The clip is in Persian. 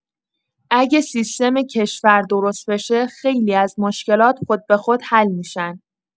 اگه سیستم کشور درست بشه، خیلی از مشکلات خودبه‌خود حل می‌شن.